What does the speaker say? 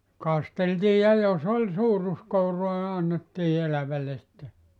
kasteltiin ja jos oli suuruskouraa niin annettiin elävälle sitten